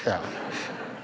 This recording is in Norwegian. ja.